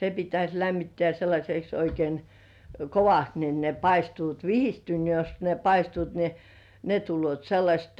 se pitäisi lämmittää sellaiseksi oikein kovasti niin ne paistuvat - jos ne paistuvat niin ne tulevat sellaiset